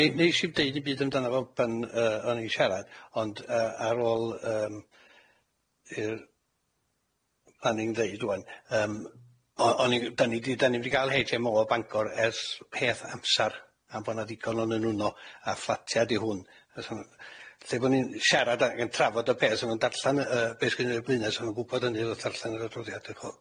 Nesh nesh i ddeud dim byd amdano fo pan yy o'n i'n siarad ond yy ar ôl yym i'r, planning ddeud ŵan yym. o- o'n i'n g- dynnu di dynnu'm di ga'l haitch em o o Bangor ers peth amsar am bo' na ddigon o nunw nw a fflatia ydi hwn fysa nw'n Lle bo' ni'n siarad ag yn trafod y peth a ma'n darllan yy be' sgynno i'r blaenau so ma'n gwbod hynny wrth darllan yr adroddiad dwi'n ch'o'.